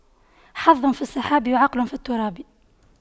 حظ في السحاب وعقل في التراب